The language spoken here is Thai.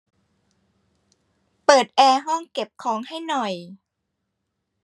เปิดแอร์ห้องเก็บของให้หน่อย